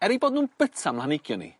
Er eu bod nw'n bita mhlanigion i